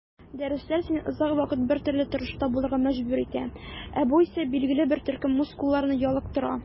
Дәресләр сине озак вакыт бертөрле торышта булырга мәҗбүр итә, ә бу исә билгеле бер төркем мускулларны ялыктыра.